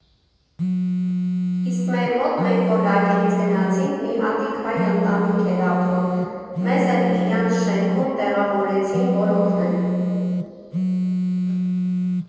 Իսկ մեր մոտ, մենք որ լագերից գնացինք, մի հատիկ հայ ընտանիք էր ապրում, մեզ էլ իրանց շենքում տեղավորեցին, որ օգնեն։